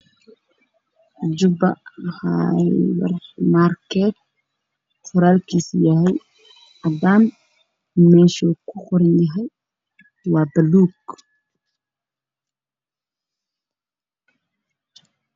Waa sawir xayeysiis midabkiis yahay buluug